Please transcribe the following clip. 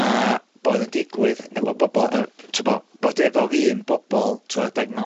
a bod yn digwydd efo bobol a, t'mod bod efo'r un bobol, t'mod mewn